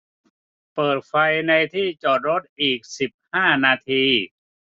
เปิดไฟในที่จอดรถอีกสิบห้านาที